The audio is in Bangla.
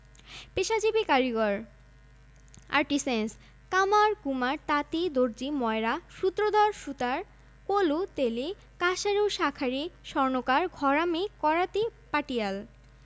রাষ্ট্রীয় মালিকানার ৫টি বিশেষায়িত আর্থিক প্রতিষ্ঠান রয়েছে যেগুলো উন্নয়ন অর্থসংস্থান প্রতিষ্ঠান হিসেবে পরিচিত এছাড়াও রয়েছে ২৩টি অব্যাংকিং আর্থিক প্রতিষ্ঠান ২৭টি মার্চেন্ট ব্যাংক